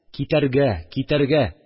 Китәргә! Китәргә